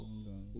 ɗum ko goonga